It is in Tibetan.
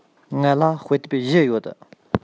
ང ལ དཔེ དེབ བཞི ཡོད